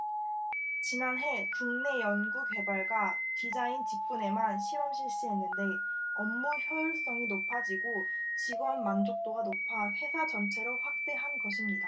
지난해 국내 연구개발과 디자인 직군에만 시범 실시했는데 업무 효율성이 높아지고 직원 만족도가 높아 회사 전체로 확대한 겁니다